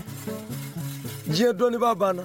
Diɲɛ dɔnnibaa banna